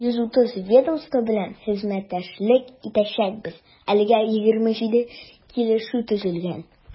130 ведомство белән хезмәттәшлек итәчәкбез, әлегә 27 килешү төзелгән.